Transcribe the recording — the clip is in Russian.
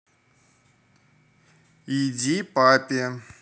иди папе